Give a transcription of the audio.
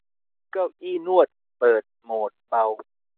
เก้าอี้นวดเปิดโหมดเบา